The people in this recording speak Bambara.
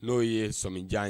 N'o ye sɔmijan ye